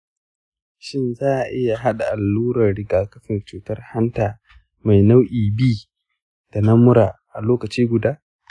shin za a iya haɗa allurar rigakafin ciwon hanta mai nau’in b da na mura a lokaci guda?